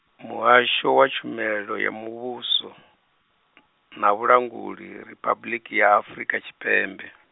Muhasho wa Tshumelo ya Muvhuso, na Vhulanguli Riphabuḽiki ya Afrika Tshipembe.